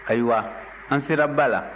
ayiwa an sera ba la